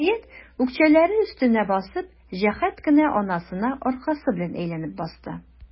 Хәят, үкчәләре өстенә басып, җәһәт кенә анасына аркасы белән әйләнеп басты.